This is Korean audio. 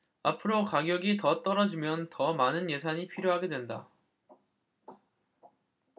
앞으로 가격이 더 떨어지면 더 많은 예산이 필요하게 된다